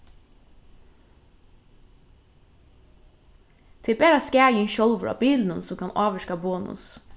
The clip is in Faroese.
tað er bara skaðin sjálvur á bilinum sum kann ávirka bonus